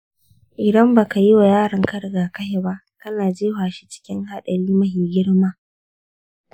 idan ba ka yi wa yaronka rigakafi ba, kana jefa shi cikin haɗari mafi girma.